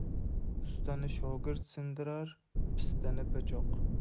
ustani shogird sindirar pistani po'choq